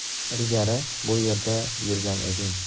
ilgari qayerda yurgan eding